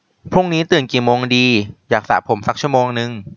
พรุ่งนี้ตื่นกี่โมงดีอยากสระผมซักชั่วโมงนึง